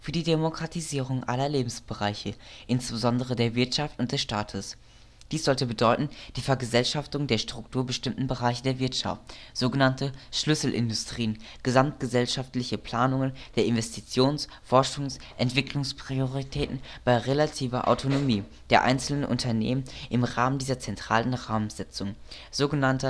die Demokratisierung aller Lebensbereiche, insbesondere der Wirtschaft und des Staates. Dies sollte bedeuten: die Vergesellschaftung der strukturbestimmten Bereiche der Wirtschaft (sog. Schlüsselindustrien), gesamtgesellschaftliche Planung der Investitions -, Forschungs - und Entwicklungsprioritäten bei relativer Autonomie der einzelnen Unternehmen im Rahmen dieser zentralen Rahmensetzung (sog.